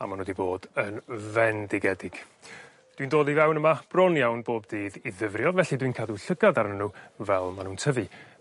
a ma' n'w 'di bod yn fendigedig. Dwi'n dod i fewn yma bron iawn bob dydd i ddyfrio felly dwi'n cadw llygad arnyn n'w fel ma' nw'n tyfu.